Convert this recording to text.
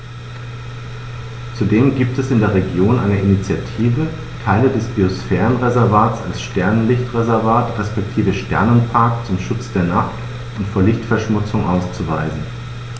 Zudem gibt es in der Region eine Initiative, Teile des Biosphärenreservats als Sternenlicht-Reservat respektive Sternenpark zum Schutz der Nacht und vor Lichtverschmutzung auszuweisen.